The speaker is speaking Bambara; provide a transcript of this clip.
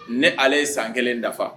Ni ale ye san 1 dafa